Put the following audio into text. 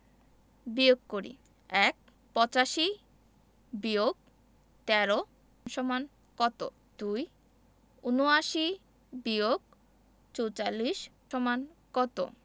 বিয়োগ করিঃ ১ ৮৫-১৩ = কত ২ ৭৯-৪৪ = কত